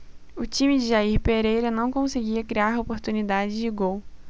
o time de jair pereira não conseguia criar oportunidades de gol